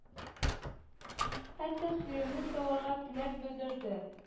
Хәтта сыерны саварга теләк белдерде